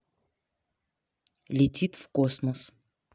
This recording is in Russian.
летит в космос